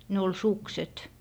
ne oli sukset